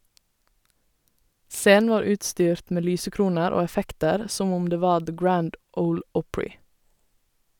Scenen var utstyrt med lysekroner og effekter som om det var The Grand Ole Opry.